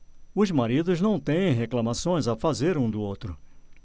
os maridos não têm reclamações a fazer um do outro